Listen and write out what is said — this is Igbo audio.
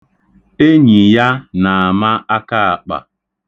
Enyi ya na-ama akaakpa.